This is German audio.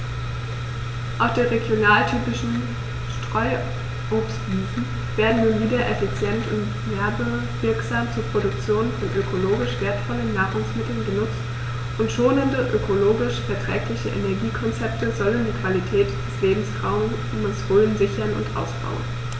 Auch die regionaltypischen Streuobstwiesen werden nun wieder effizient und werbewirksam zur Produktion von ökologisch wertvollen Nahrungsmitteln genutzt, und schonende, ökologisch verträgliche Energiekonzepte sollen die Qualität des Lebensraumes Rhön sichern und ausbauen.